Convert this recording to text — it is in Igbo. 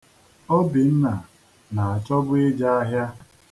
Obinna na-achọbu ije ahịa.